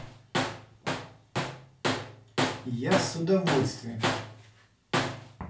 я с удовольствием